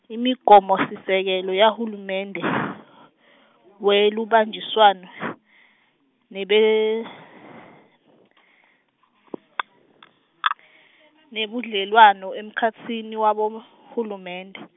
imigomosisekelo yahulumende , welubanjiswano, nebe- , nebudlelwano emkhatsini wabohulumende.